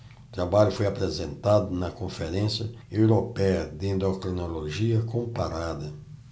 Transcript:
o trabalho foi apresentado na conferência européia de endocrinologia comparada